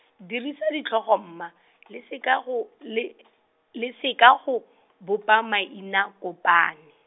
dirisa ditlhogo mma, le seka go, le, le seka go, bopa mainakopani.